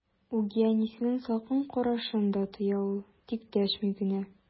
Үги әнисенең салкын карашын да тоя ул, тик дәшми генә.